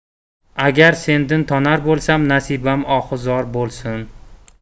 agar sendin tonar bo'lsam nasibam ohu zor o'lsun